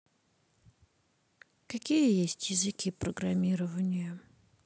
какие есть языки программирования